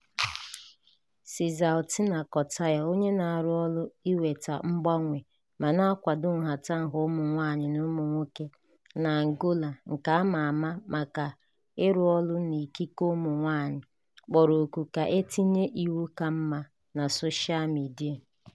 Sizaltina Cutaia, onye na-arụ ọrụ iweta mgbanwe ma na-akwado nhatanha ụmụ nwaanyị na ụmụ nwoke na Angola nke ama ama maka ịrụ ọrụ n'ikike ụmụ nwaanyị, kpọrọ oku ka e tinye iwu ka mma na socha midia: